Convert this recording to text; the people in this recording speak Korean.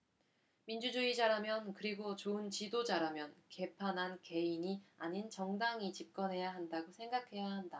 민주주의자라면 그리고 좋은 지도자라면 계파나 개인이 아닌 정당이 집권해야 한다고 생각해야 한다